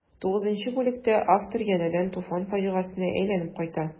Тугызынчы бүлектә автор янәдән Туфан фаҗигасенә әйләнеп кайта.